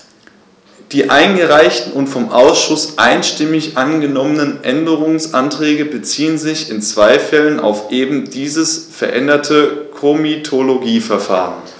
Die eingereichten und vom Ausschuss einstimmig angenommenen Änderungsanträge beziehen sich in zwei Fällen auf eben dieses veränderte Komitologieverfahren.